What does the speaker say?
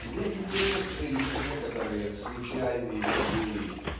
где интересны лишь некоторые случайные идеи.